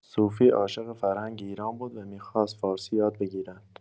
سوفی عاشق فرهنگ ایران بود و می‌خواست فارسی یاد بگیرد.